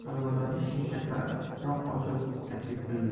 alimardon eshikni kattaroq ochib taklif qildi